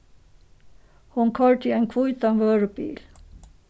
hon koyrdi ein hvítan vørubil